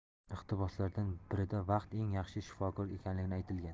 iqtiboslardan birida vaqt eng yaxshi shifokor ekanligi aytilgan